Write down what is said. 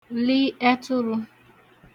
li ẹturū